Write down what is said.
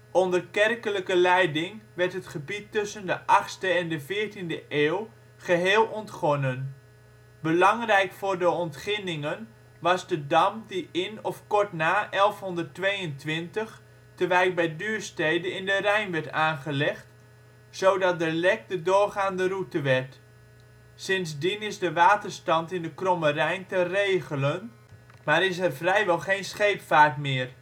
Onder kerkelijke leiding werd het gebied tussen de 8e - en de 14e eeuw geheel ontgonnen. Belangrijk voor de ontginningen was de dam die in of kort na 1122 te Wijk bij Duurstede in de Rijn werd gelegd, zodat de Lek de doorgaande route werd. Sindsdien is de waterstand in de Kromme Rijn te regelen, maar is er vrijwel geen scheepvaart meer